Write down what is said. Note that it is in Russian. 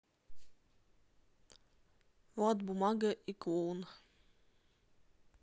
влад бумага и клоун